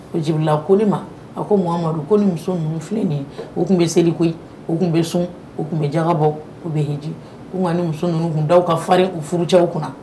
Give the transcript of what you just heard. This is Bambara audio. Ko Jibrila ko ne ma a ko Muhamadu ko ni muso ninnu filɛ nin ye u tun bɛ seli koyi u tun bɛ sun u tun bɛ jaka bɔ u bɛ heji ko nka nin muso ninnu tun daw ka farin u furu cɛw ma.